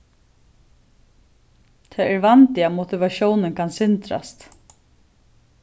tað er vandi at motivatiónin kann syndrast